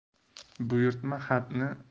buyurtma xatni angliyaga